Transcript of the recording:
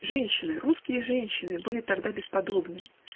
Женщины, русские женщины были тогда бесподобны.